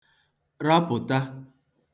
rapụ̀ta